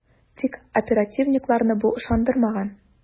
Тик оперативникларны бу ышандырмаган ..